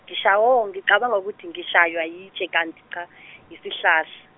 ngacabanga ukuthi ngishayiwa yitshe kanti cha , yisihlahla.